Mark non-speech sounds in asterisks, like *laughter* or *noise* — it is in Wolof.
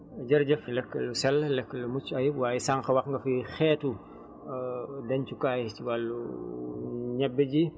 jërëjëf lekk lu sell lekk lu mucc ayib waaye sànq wax nga fi xeetu *hesitation* dencukaay si wàllu *hesitation* ñebe ji